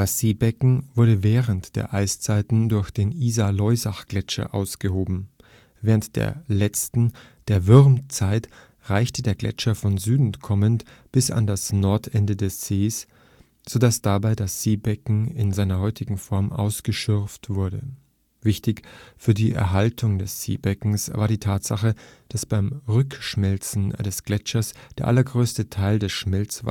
Seebecken wurde während der Eiszeiten durch den Isar-Loisach-Gletscher ausgeschoben. Während der letzten, der Würmeiszeit, reichte der Gletscher von Süden kommend bis an das Nordende des Sees, so dass dabei das Seebecken in seiner heutigen Form ausgeschürft wurde. Wichtig für die Erhaltung des Seebeckens war die Tatsache, dass beim Rückschmelzen des Gletschers der allergrößte Teil der Schmelzwässer